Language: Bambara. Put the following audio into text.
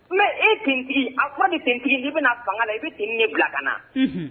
Mɛ i ttigi a ko ni ttigi i bɛna fanga la i bɛ t ne bila kaana